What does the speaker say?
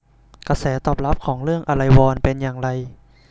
กระแสตอบรับเรื่องอะไรวอลเป็นอย่างไร